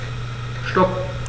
Stop.